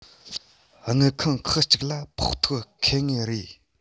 དངུལ ཁང ཁག གཅིག ལ ཕོག ཐུག ཁེལ ངེས རེད